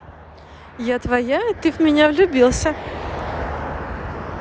я твоя и ты в меня влюбился